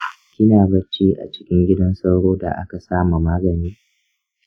kina bacci a cikin gidan sauro da aka sa ma magani?